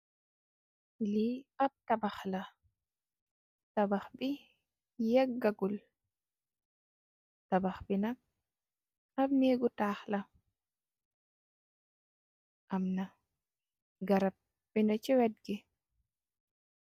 Li ap tabax la tabax bi yega gul tabax bi nak ap neegi tax la amna garab bu neh si wedgi.